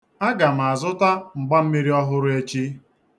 Aga m azụta mgbammiri ọhụrụ echi.